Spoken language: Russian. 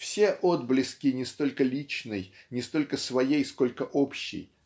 -- все отблески не столько личной не столько своей сколько общей